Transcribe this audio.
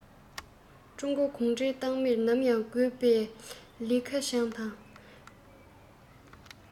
ཀྲུང གོའི གུང ཁྲན ཏང མིར ནམ ཡང དགོས པའི ལི ཁེ ཆང དང